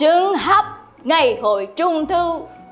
trứng hấp ngày hội trung thu